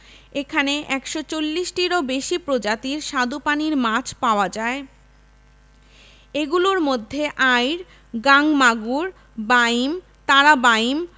এখানে ১৪০টিরও বেশি প্রজাতির স্বাদুপানির মাছ পাওয়া যায় এগুলোর মধ্যে আইড় গাং মাগুর বাইম তারা বাইম